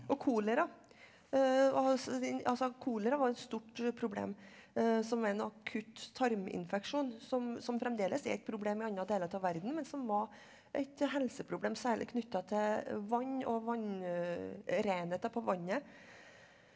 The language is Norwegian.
og kolera altså altså kolera var et stort problem som er en akutt tarminfeksjon som som fremdeles er et problem i andre deler av verden men som var et helseproblem særlig knytta til vann og vann renheta på vannet.